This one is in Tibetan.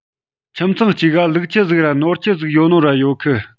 ཁྱིམ ཚང གཅིག ག ལུག ཁྱུ ཟིག ར ནོར ཁྱུ གཅིག ཡོད ནོ ར ཡོད གི